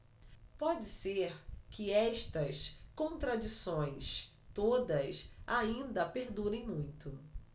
pode ser que estas contradições todas ainda perdurem muito